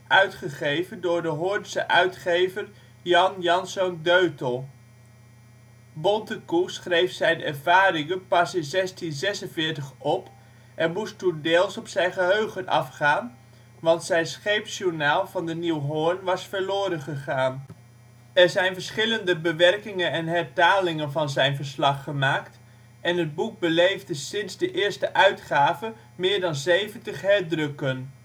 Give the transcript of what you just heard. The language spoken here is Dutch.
uitgegeven door de Hoornse uitgever Jan Jansz. Deutel. Bontekoe schreef zijn ervaringen pas in 1646 op, en moest toen deels op zijn geheugen afgaan want zijn scheepsjournaal van de Nieuw Hoorn was verloren gegaan. Er zijn verschillende bewerkingen en hertalingen van zijn verslag gemaakt, en het boek beleefde sinds de eerste uitgave meer dan 70 herdrukken